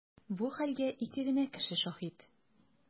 Бу хәлгә ике генә кеше шаһит.